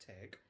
Teg.